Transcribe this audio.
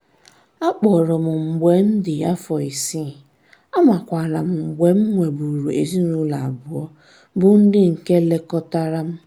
CB: A kpọọrọ m mgbe m dị afọ isii, amakwara m mgbe m nweburu ezinaụlọ abụọ bụ ndị nke lekọtara m.